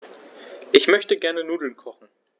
Ich möchte gerne Nudeln kochen.